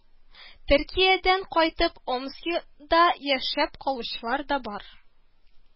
Төркиядән кайтып, Омскийда яшәп калучылар да бар